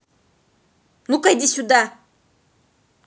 ну ка иди сюда